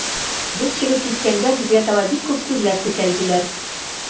Без чыгып киткәндә, безгә таба бик күп күзләр текәлделәр.